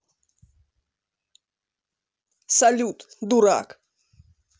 салют дурак